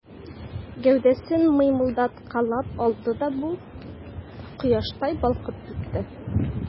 Гәүдәсен мыймылдаткалап алды да бу, кояштай балкып китте.